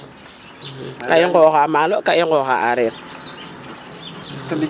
II ga i nqooxaa maalo ga i nqooxaa a aareer.